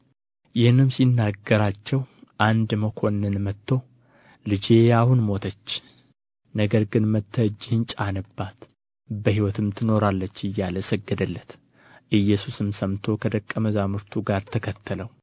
ይህንም ሲነግራቸው አንድ መኰንን መጥቶ ልጄ አሁን ሞተች ነገር ግን መጥተህ እጅህን ጫንባት በሕይወትም ትኖራለች እያለ ሰገደለት ኢየሱስም ተነሥቶ ከደቀ መዛሙርቱ ጋር ተከተለው